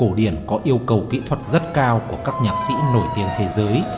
cổ điển có yêu cầu kỹ thuật rất cao của các nhạc sĩ nổi tiếng thế giới